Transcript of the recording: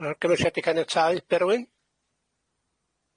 Yy gymysiadau caniatáu Berwyn?